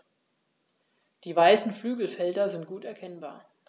Die weißen Flügelfelder sind gut erkennbar.